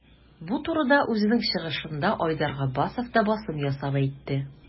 Бу турыда үзенең чыгышында Айдар Габбасов та басым ясап әйтте.